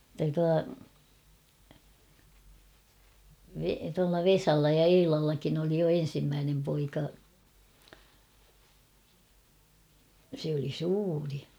että tuo - tuolla Vesalla ja Eilallakin oli jo ensimmäinen poika se oli suuri